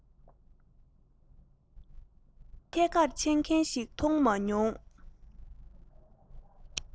སྐད ཆ ཐད ཀར འཆད མཁན ཞིག མཐོང མ མྱོང